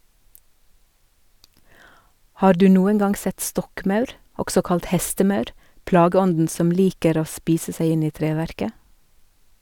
Har du noen gang sett stokkmaur, også kalt hestemaur, plageånden som liker å spise seg inn i treverket?